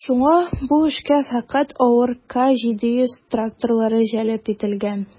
Шуңа бу эшкә фәкать авыр К-700 тракторлары җәлеп ителгән.